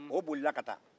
o bolila ka taa